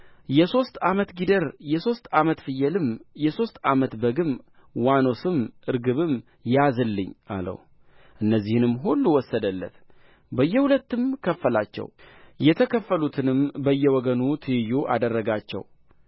የሦስት ዓመት ጊደር የሦስት ዓመት ፍየልም የሦስት ዓመት በግም ዋኖስም ርግብም ያዝልኝ አለው እነዚህንም ሁሉ ወሰደለት በየሁለትም ከፈላቸው የተከፈሉትንም በየወገኑ ትይዩ አደረጋቸው